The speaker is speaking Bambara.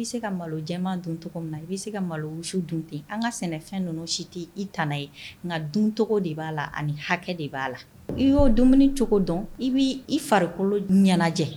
I bɛ se ka malo jɛ don tɔgɔ min na i bɛ se ka malosu dun ten an ka sɛnɛfɛn ninnu si tɛ i t ye nka dun tɔgɔ de b'a la ani hakɛ de b'a la i y'o dumuni cogo dɔn i b' i farikolo ɲɛnajɛ